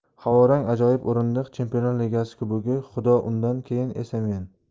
havorang ajoyib o'rindiq chempionlar ligasi kubogi xudo undan keyin esa men